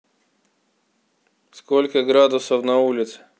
сколько градусов на улице